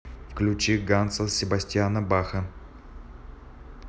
включи ганса себастьяна баха